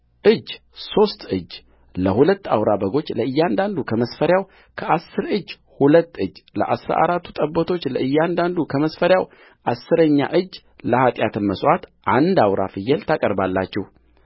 እጅ ሦስት እጅ ለሁለቱ አውራ በጎች ለእያንዳንዱ ከመስፈሪያው ከአሥር እጅ ሁለት እጅለአሥራ አራቱ ጠቦቶች ለእያንዳንዱ ከመስፈሪያው አሥረኛ እጅለኃጢአትም መሥዋዕት አንድ አውራ ፍየል ታቀርባላችሁ